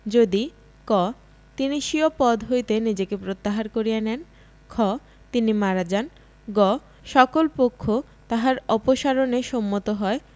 যদি ক তিনি স্বীয় পদ হইতে নিজেকে প্রত্যাহার করিয়া নেন খ তিনি মারা যান গ সকল পক্ষ তাহার অপসারণে সম্মত হয়